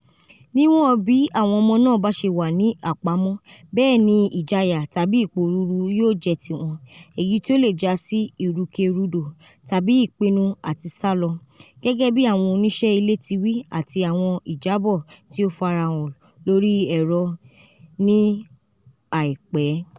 Niwọn bi awọn ọmọ naa baṣe wa ni apamọ, bẹẹ ni ijaya tabi iporuuru yoo jẹ ti wọn, eyi ti o le jasi irukerudo tabi ipinnu ati salọ, gẹgẹbi awọn oniṣẹ ile ti wi ati awọn ijabọ ti o farahan lori ẹrọ ni ou aipẹ.